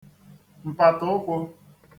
m̀pàtàụkwụ